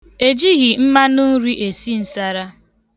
Ejighị mmanụ nri esi nsara.